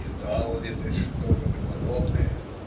- Едал ли ты что-нибудь подобное?